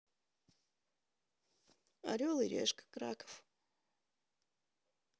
орел и решка краков